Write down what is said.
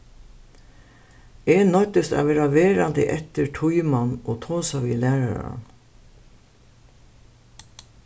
eg noyddist at verða verandi eftir tíman og tosa við læraran